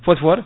phosphore